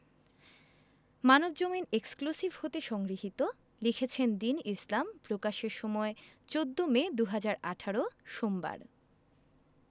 Manabzamin exclusive হতে সংগৃহীত লিখেছেনঃ দীন ইসলাম প্রকাশের সময় ১৪ মে ২০১৮ সোমবার